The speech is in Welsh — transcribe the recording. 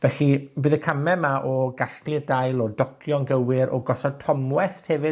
felly, bydd y came 'ma o gasglu y dail, o docio'n gywir, o gosod tomwellt hefyd